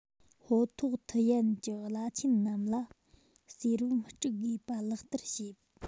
ཧོ ཐོག ཐུ ཡན གྱི བླ ཆེན རྣམས ལ གསེར བུམ དཀྲུགས དགོས པ ལག བསྟར བྱས